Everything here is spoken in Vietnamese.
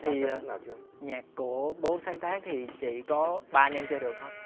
thì nhạc của bố sáng tác thì chỉ có ba anh em chơi được thôi